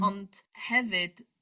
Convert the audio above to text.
Ond hefyd